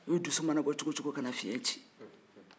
i dusu mana bɔ cogo o cogo kana fiɲɛ ci